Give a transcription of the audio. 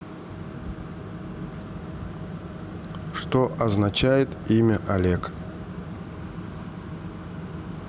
что означает имя олег